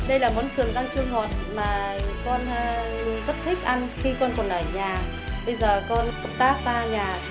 đây là món sườn rang chua ngọt mà con rất thích ăn khi con còn ở nhà bây giờ con công tác xa nhà